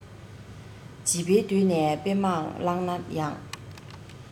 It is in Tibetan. བྱིས པའི དུས ནས དཔེ མང བཀླགས ན ཡང